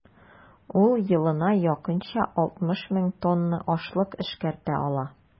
Ул елына якынча 60 мең тонна ашлык эшкәртә ала.